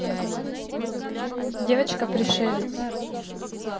девочка пришелец